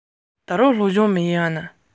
ཁྱོད ཁྱོད ཁྱོད ང རྩིས ཀླད ཀོར